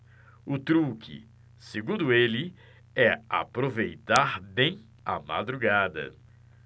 o truque segundo ele é aproveitar bem a madrugada